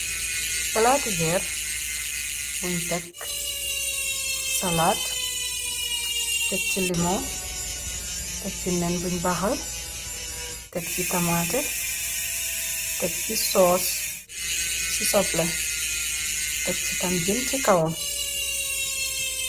Palaati veer bunj tek salat, tek ci limo, tek ci nen bu baxal, tek ci tamate, tek ci soos si soble, tek ci tam jean si kawam.